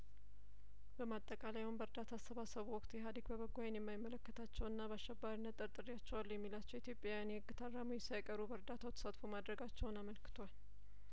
በማጠቃለያውም በእርዳታ አሰባሰቡ ወቅት ኢህአዲግ በበጐ አይን የማይመለከታቸውና በአሸባሪነት ጠርጥሬያቸዋለሁ የሚላቸው ኢትዮጵያውያን የህግ ታራሚዎች ሳይቀሩ በእርዳታው ተሳትፎ ማድረጋቸውን አመልክቷል